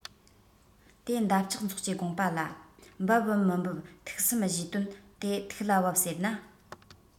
དེ འདབ ཆགས ཚོགས ཀྱི དགོངས པ ལ འབབ བམ མི འབབ ཐུགས བསམ བཞེས དོན དེ ཐུགས ལ བབས ཟེར ན